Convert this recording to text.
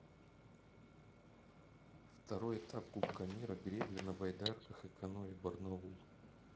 второй этап кубка мира гребля на байдарках и каноэ барнаул